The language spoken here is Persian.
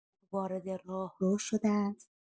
وارد راهرو شدند.